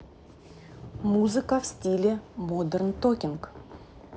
музыка в стиле модерн токинг